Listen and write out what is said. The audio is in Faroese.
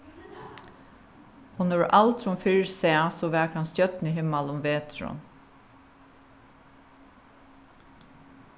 hon hevur aldrin fyrr sæð so vakran stjørnuhimmal um veturin